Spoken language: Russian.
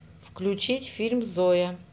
включить фильм зоя